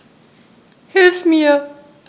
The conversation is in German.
Hilf mir!